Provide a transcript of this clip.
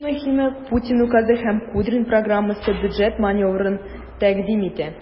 Иң мөһиме, Путин указы һәм Кудрин программасы бюджет маневрын тәкъдим итә.